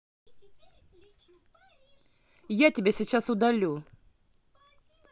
я тебя сейчас удалю